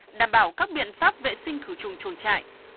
đảm bảo các biện pháp vệ sinh khử trùng chuồng trại